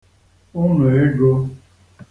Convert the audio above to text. ụnọ̀ egō